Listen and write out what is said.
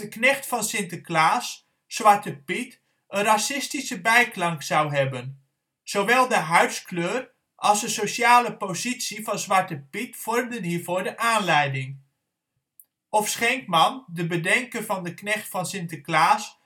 knecht van Sinterklaas, Zwarte Piet, een racistische bijklank zou hebben. Zowel de huidskleur als de ' sociale positie ' van Zwarte Piet vormden hiervoor de aanleiding. Of Schenkman, de bedenker van de knecht van Sinterklaas